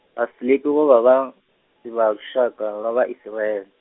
Vhafilipi vho vha, vha si lushaka lwa Vhaisiraele.